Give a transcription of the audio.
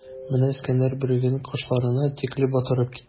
Менә Искәндәр бүреген кашларына тикле батырып киде.